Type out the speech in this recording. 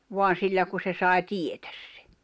vaan sillä kun se sai tietää sen